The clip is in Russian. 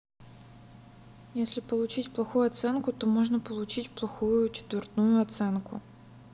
если получить плохую оценку то можно получить плохую четвертную оценку